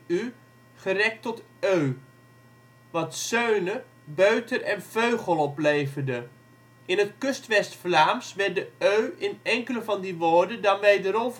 u gerekt tot eu, wat zeune, beuter en veugel opleverde. In het Kustwest-Vlaams werd de eu in enkele van die woorden dan wederom